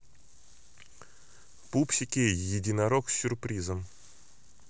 пупсики единорог с сюрпризом